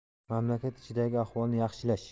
mamlakat ichidagi ahvolni yaxshilash